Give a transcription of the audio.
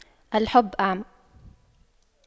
الحب أعمى